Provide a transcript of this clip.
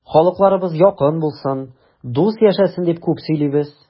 Халыкларыбыз якын булсын, дус яшәсен дип күп сөйлибез.